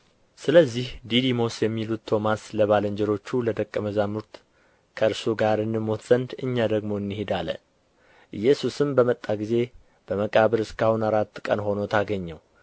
ስለዚህ ዲዲሞስ የሚሉት ቶማስ ለባልንጀሮቹ ለደቀ መዛሙርት ከእርሱ ጋር እንሞት ዘንድ እኛ ደግሞ እንሂድ አለ ኢየሱስም በመጣ ጊዜ በመቃብር እስከ አሁን አራት ቀን ሆኖት አገኘው